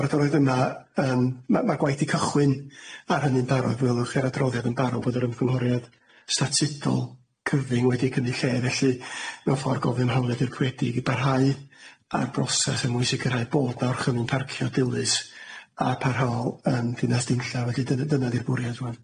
ac roedd yna ym ma ma'r gwaith di cyhwyn ar hyny'n barod welwch chi ar yr adroddiad yn barod fod yr ymgymhoriad statudol cyfung wedi cymryd lle felly mewn ffordd gofyn am hawlia dicwledig mewn ffordd i barhau a'r broses er mwyn sicrhau bod na orchymyn parcio dilys a parhaol yn Dinas Dinlla felly dy dyna di'r bwriad rwan